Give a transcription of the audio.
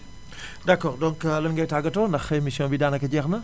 d' accord donc lan ngay tàggatoo ndax émission bi daanaka jeex na